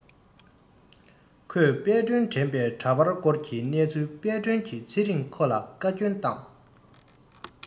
ཁོས དཔལ སྒྲོན དྲན པའི འདྲ པར བསྐོར གྱི གནས ཚུལ དཔལ སྒྲོན གྱི ཚེ རིང ཁོ ལ བཀའ བསྐྱོན བཏང